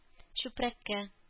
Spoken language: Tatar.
Чүпрәккә